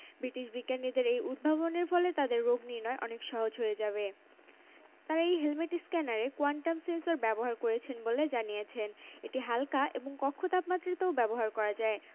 British বিজ্ঞানীদের এই উদ্ভাবনের ফলে তাদের রোগনির্নয় অনেক সহজ হয়ে যাবে তারা এই হেলমেট স্ক্যানারে কোয়ান্টাম সেন্সর ব্যবহার করেছেন বলে জানিয়েছেন এটি হাল্কা এবং কক্ষ তাপমাত্রাতেও ব্যবহার করা যায়